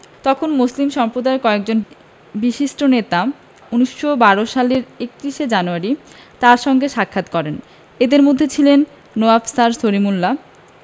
তখন মুসলিম সম্প্রদায়ের কয়েকজন বিশিষ্ট নেতা ১৯১২ সালের ৩১ জানুয়ারি তাঁর সঙ্গে সাক্ষাৎ করেন এঁদের মধ্যে ছিলেন নওয়াব স্যার সলিমুল্লাহ